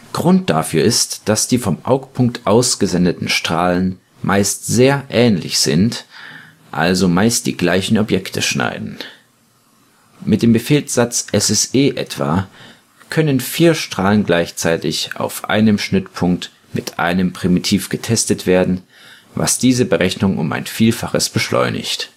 Grund dafür ist, dass die vom Augpunkt ausgesendeten Strahlen meist sehr ähnlich sind, also meist die gleichen Objekte schneiden. Mit dem Befehlssatz SSE etwa können vier Strahlen gleichzeitig auf einen Schnittpunkt mit einem Primitiv getestet werden, was diese Berechnung um ein Vielfaches beschleunigt